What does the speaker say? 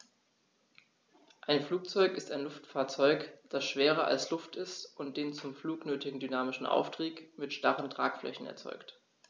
Ein Flugzeug ist ein Luftfahrzeug, das schwerer als Luft ist und den zum Flug nötigen dynamischen Auftrieb mit starren Tragflächen erzeugt.